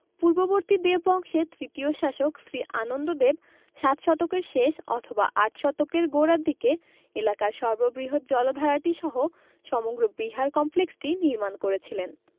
পূর্ববর্তী দেববংশের তৃতীয় শাসক শ্রী আনন্দদেব সাত শতকের শেষ অথবা আট শতকের গোড়ার দিকে এলাকার সর্ববৃহৎ জলাধারটিসহ সমগ্র বিহার কমপ্লেক্সটি নির্মাণ করেছিলেন